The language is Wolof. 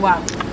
waaw